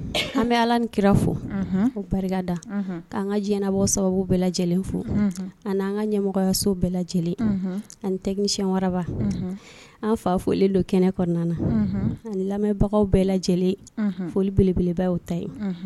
An bɛ ala ni kira fo u barika da k'an ka diɲɛbɔ sababu bɛɛ lajɛlen fo ani an ka ɲɛmɔgɔyaso bɛɛ lajɛlen ani tɛsiyɛnwaraba an fa foli don kɛnɛ kɔnɔna ani lamɛnbagaw bɛɛ lajɛlen foli belebelebaw ta ye